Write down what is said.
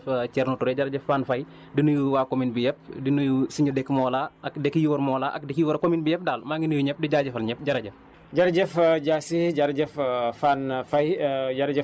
ñoo ngi lay ñaanal gudd fan daal ak wér-gu-yaram jërëjëf Aliou Sow jërëjëf Thierno Touré jërëjëf Fane Faye di nuyu waa commune bi yëpp di nuyu suñu dëkk Mawla ak dëkk yu wër Mawla ak dëkk yi wër commune bi yëpp daal maa ngi nuyu ñëpp di jaajëfal ñëpp jërëjëf